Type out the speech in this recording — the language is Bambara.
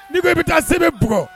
Ni ko i bi taa S B bugɔ